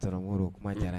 Go kuma diyara